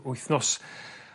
wythnos